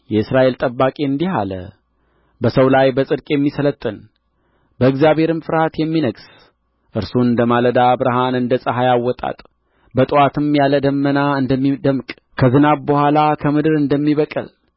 የእስራኤል ጠባቂ እንዲህ አለ በሰው ላይ በጽድቅ የሚሠለጥን በእግዚአብሔርም ፍርሃት የሚነግሥ እርሱ እንደ ማለዳ ብርሃን እንደ ፀሐይ አወጣጥ በጥዋትም ያለ ደመና እንደሚደምቅ ከዝናብ በኋላ ከምድር እንደሚበቅል